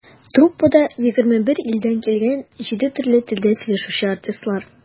Труппада - 21 илдән килгән, җиде төрле телдә сөйләшүче артистлар.